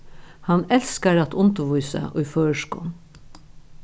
hann elskar at undirvísa í føroyskum